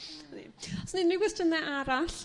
'Na ni. O's 'na unryw gwestyne arall?